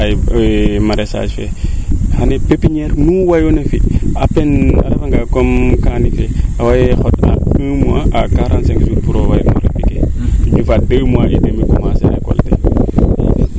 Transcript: rater a maraichage fee xani pepiniere fuu wagona fi a refa nga comme kaa ando naye awey xot un mois a 45 jours pour waag no appliquer a njufaa deux mois et demi